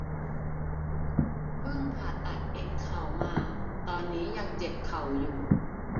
พึ่งผ่าตัดเอ็นเข่ามาตอนนี้ยังเจ็บเข่าอยู่